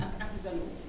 ak artisanaux